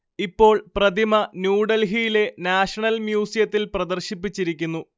ഇപ്പോൾ പ്രതിമ ന്യൂഡൽഹിയിലെ നാഷണൽ മ്യൂസിയത്തിൽ പ്രദർശിപ്പിച്ചിരിക്കുന്നു